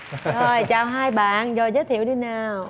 rồi chào hai bạn rồi giới thiệu đi nào